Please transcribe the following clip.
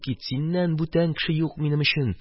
Синнән бүтән кеше юк минем өчен.